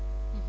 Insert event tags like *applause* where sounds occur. *hesitation* *hesitation*